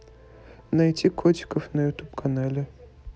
найти котиков на ютуб канале